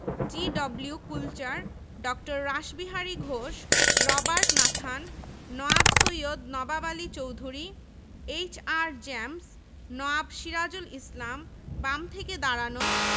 কলকাতা বিশ্ববিদ্যালয়ের সর্বমোট ২৭ হাজার ২৯০ জন ছাত্রের মধ্যে ঢাকা বিভাগ ও ত্রিপুরা জেলা থেকে ৭ হাজার ৯৭ জন ছাত্র অধ্যয়নরত